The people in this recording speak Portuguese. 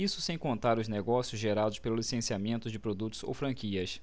isso sem contar os negócios gerados pelo licenciamento de produtos ou franquias